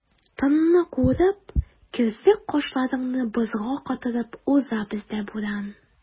Тынны куырып, керфек-кашларыңны бозга катырып уза бездә буран.